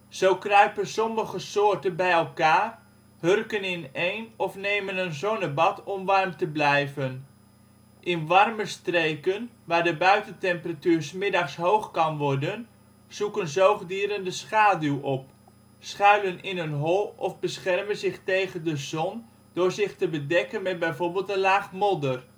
Zo kruipen sommige soorten bij elkaar, hurken ineen of nemen een zonnebad om warm te blijven. In warme streken, waar de buitentemperatuur ' s middags hoog kan worden, zoeken zoogdieren de schaduw op, schuilen in een hol of beschermen zich tegen de zon door zich te bedekken met bijv. een laag modder